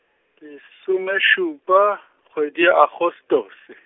lesomešupa, kgwedi ya Agostose.